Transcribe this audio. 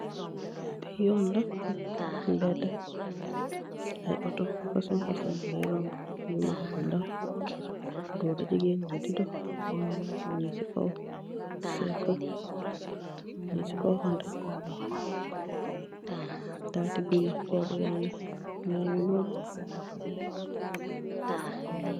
Fii yoon la, mbeeda, ay auto, fashion fashion nyungee romba, yu mak, yu ndaw, goor ak jigain, nyii si kaw cycle, nyii si kaw Honda, taati garap yangi nonu.